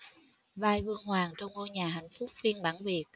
vai vương hoàng trong ngôi nhà hạnh phúc phiên bản việt